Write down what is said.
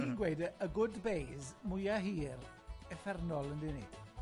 Ni'n gweud y y good byes mwya hir, uffernol yndyn ni?